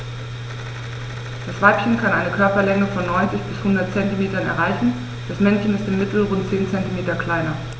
Das Weibchen kann eine Körperlänge von 90-100 cm erreichen; das Männchen ist im Mittel rund 10 cm kleiner.